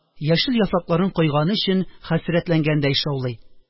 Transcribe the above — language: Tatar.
Яшел яфракларын койганы өчен хәсрәтләнгәндәй шаулый.